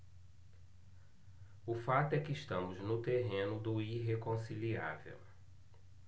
o fato é que estamos no terreno do irreconciliável